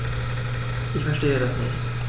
Ich verstehe das nicht.